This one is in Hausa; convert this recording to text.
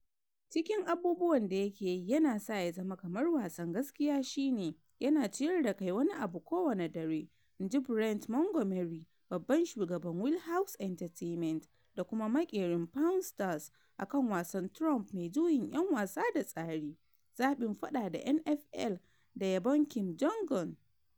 “Cikin abubuwan da yake yi yana sa ya zama kamar wasan gaskia shi ne yana ciyar da kai wani abu kowane dare,” inji Brent Mongomery, babban shugaban Wheelhouse Entertainment da kuma makerin “Pawn Stars,” akan wasan Trump mai juyin yan wasa da tsari (zabin faɗa da N.F.L, da yabon Kim Jong-un).